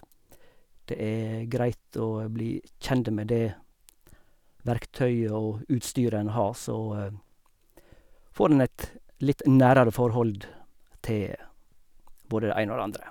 Det er greit å bli kjent med det verktøyet og utstyret en har, så får en et litt nærere forhold til både det ene og det andre.